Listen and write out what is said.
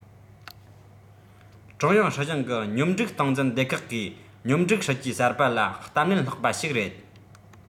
ཀྲུང དབྱང སྲིད གཞུང གི སྙོམས སྒྲིག སྟངས འཛིན སྡེ ཁག གིས སྙོམས སྒྲིག སྲིད ཇུས གསར པ ལ གཏམ ལན སློག པ ཞིག རེད